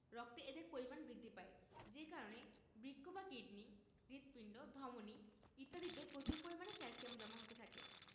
রক্তে এদের পরিমাণ বৃদ্ধি পায় যে কারণে বৃক্ক বা কিডনি হৃৎপিণ্ড ধমনি ইত্যাদিতে প্রচুর পরিমাণে ক্যালসিয়াম জমা হতে থাকে